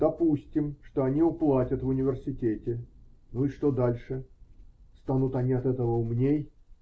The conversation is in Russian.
Допустим, что они уплатят в университете -- ну, и что дальше? Станут они от этого умней?